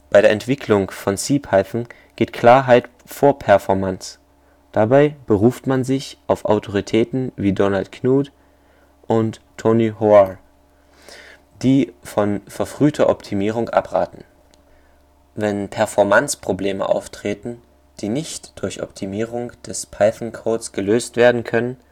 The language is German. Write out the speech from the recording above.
Entwicklung von CPython geht Klarheit vor Performanz. Dabei beruft man sich auf Autoritäten wie Donald Knuth und Tony Hoare, die von verfrühter Optimierung abraten. Wenn Performanzprobleme auftreten, die nicht durch Optimierung des Python-Codes gelöst werden können